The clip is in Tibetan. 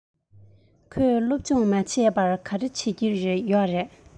ཁོས སློབ སྦྱོང མ བྱས པར ག རེ བྱེད ཀྱི ཡོད རས